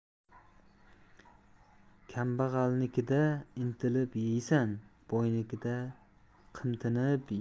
kambag'alnikida intilib yeysan boynikida qimtinib